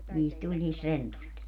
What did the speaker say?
niistä tuli niistä rentuista